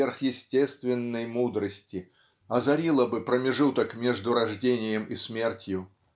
сверхъестественной мудрости озарило бы промежуток между рождением и смертью